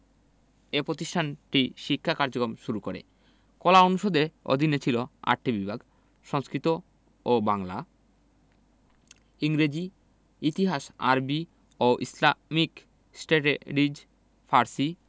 এ প্রতিষ্ঠানটি শিক্ষা কার্যক্রম শুরু করে কলা অনুষদের অধীনে ছিল ৮টি বিভাগ সংস্কৃত ও বাংলা ইংরেজি ইতিহাস আরবি ও ইসলামিক স্টেটেডিজ ফার্সি